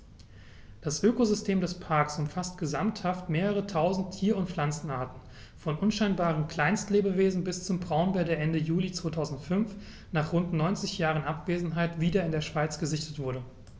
Das Ökosystem des Parks umfasst gesamthaft mehrere tausend Tier- und Pflanzenarten, von unscheinbaren Kleinstlebewesen bis zum Braunbär, der Ende Juli 2005, nach rund 90 Jahren Abwesenheit, wieder in der Schweiz gesichtet wurde.